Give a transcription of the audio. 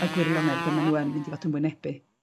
y gwirionedd be' ma' n'w yn mynd i fod yn wynebu.